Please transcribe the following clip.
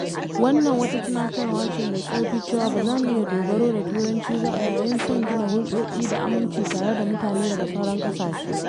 Wannan wata tunatarwa ce mai ƙarfi cewa ba za mu iya dogaro da Turanci ba a yayin son gina hulɗoɗi da aminci tare da mutane daga sauran ƙasashe.